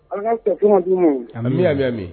ma, ami, ami, ami.